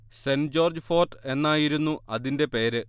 saint George Fort എന്നായിരുന്നു അതിന്റെ പേര്